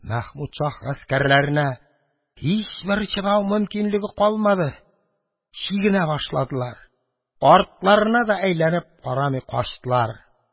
Мәхмүд шаһ гаскәрләренә һичбер чыдау мөмкинлеге калмады, чигенә башладылар, артларына да әйләнеп карамый качтылар.